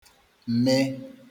mmee